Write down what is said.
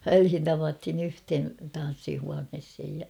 väliin tavattiin yhteen tanssihuoneeseen ja